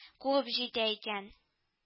Куып җитә икән